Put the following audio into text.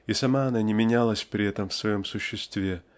и сама она не менялась при этом в своем существе